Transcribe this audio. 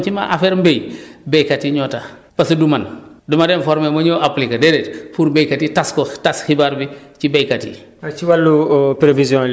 même man su ma demee formation ci ma affaire mbéy béykat yi ñoo tax parce que du man du ma dem formation ma ñëw appliquer ko déedéet pour béykat yi tas ko tas xibaar bi ci béykat yi